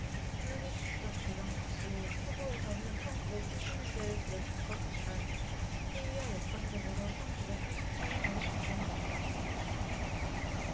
플래닛극적 배경 역시 초고에서는 천 구백 칠십 년대를 그렸었지만 회의와 여건 등으로 천 구백 팔십 칠 년으로 변경됐다